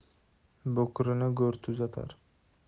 bukrini go'r tuzatar